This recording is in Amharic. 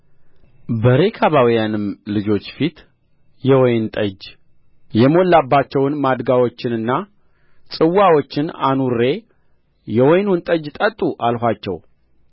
በሬካባውያንም ልጆች ፊት የወይን ጠጅ የሞላባቸውን ማድጋዎችንና ጽዋዎችን አኑሬ የወይኑን ጠጅ ጠጡ አልኋቸው